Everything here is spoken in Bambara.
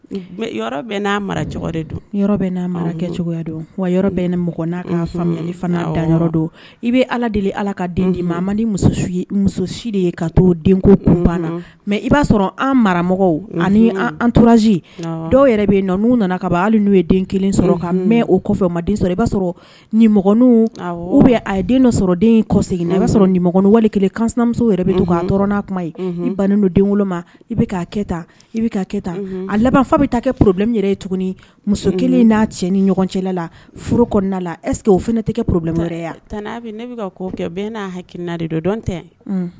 Mɛ yɔrɔ na n'a mara kɛ don wa yɔrɔ i bɛ ala deli ala ka den ma ni muso musosi de ye ka to mɛ i b'a sɔrɔ an mara ani toraz dɔw yɛrɛ bɛ nɔn' nana hali n'u ye den kelen sɔrɔ ka mɛ o kɔfɛ ma den sɔrɔ i b'a sɔrɔin o bɛ a dɔ sɔrɔ den kɔ na i b'a sɔrɔ ninmɔgɔɔgɔn wale kelenmuso yɛrɛ to k'a t n' kuma ye ba don den ma i bɛ kɛ i kɛ a labanfa bɛ taa kɛ porobilɛ min yɛrɛ ye tuguni muso kelen n'a ti ni ɲɔgɔn cɛ la furu la ɛseke o fana tɛ kɛ porobilɛ wɛrɛ bɛɛ n'a hakiliina dɔn tɛ